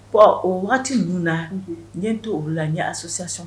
Bɔn o waati na n t to o la n ɲɛ a sososasɔn